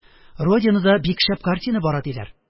«родина»да бик шәп картина бара, диләр